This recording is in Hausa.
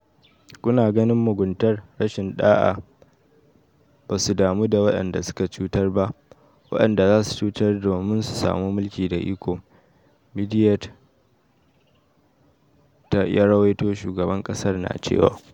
Kuna ganin muguntar, rashin da’a, ba su damu da waɗanda suka cutar ba, waɗanda zasu cutar domin su samu mulki da iko, Mediaite ya ruwaito shugaban kasar na cewa.